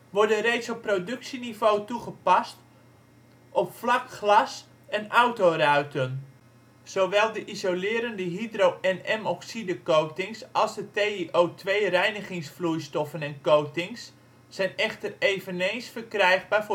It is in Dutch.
worden reeds op productieniveau toegepast op vlak glas en autoruiten. Zowel de isolerende hydro-NM-oxide-coatings als de TiO2-reinigingsvloeistoffen en coatings zijn echter eveneens verkrijgbaar